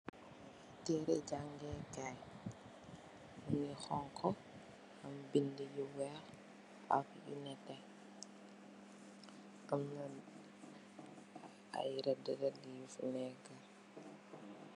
Tere jangekai yu xonxu am binda yu weex ak yu nete amna ay reda reda yufi neka.